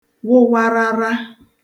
wụwarara